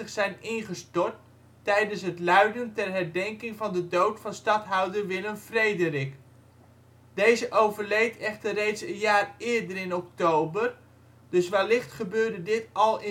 zijn ingestort tijdens het luiden ter herdenking van de dood van stadhouder Willem Frederik. Deze overleed echter reeds een jaar eerder in oktober, dus wellicht gebeurde dit al